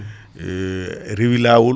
reewi lawol